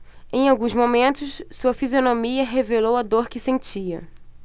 em alguns momentos sua fisionomia revelou a dor que sentia